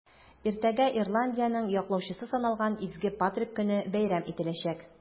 Иртәгә Ирландиянең яклаучысы саналган Изге Патрик көне бәйрәм ителәчәк.